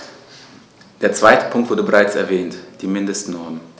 Der zweite Punkt wurde bereits erwähnt: die Mindestnormen.